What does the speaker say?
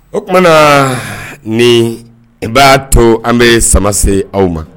O tumaumana nin i b'a to an bɛ sama se aw ma